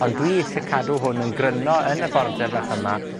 ond dwi isie cadw hwn yn gryno yn y border bach yma,